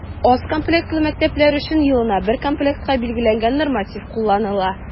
Аз комплектлы мәктәпләр өчен елына бер комплектка билгеләнгән норматив кулланыла.